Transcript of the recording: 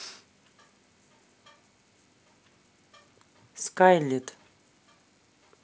скайлет